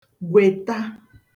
gwèta